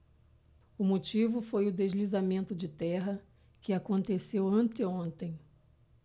o motivo foi o deslizamento de terra que aconteceu anteontem